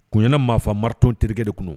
Kunɲaana maa faga marteau terikɛ de tun